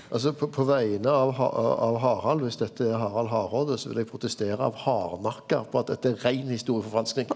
altså på på vegne av ha av Harald viss dette er Harald Hardråde så vil eg protestera hardnakka på at dette er rein historieforfalsking.